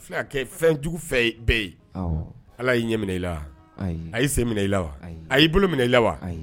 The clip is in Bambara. Filɛ ka kɛ fɛn jugu fɛ bɛɛ ye,. Awɔ. Ala y'i ɲɛ minɛ i la wa? Ayi. A y'i sen minɛ i la wa? Ayi. A y'i bolo minɛ i la wa?